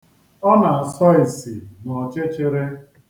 Ọ na-asọ isi n'ọchịchịrị